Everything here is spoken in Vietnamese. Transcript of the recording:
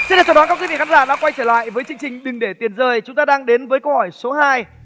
xin được chào đón các quý vị khán giả đã quay trở lại với chương trình đừng để tiền rơi chúng ta đang đến với câu hỏi số hai